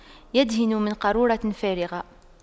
يدهن من قارورة فارغة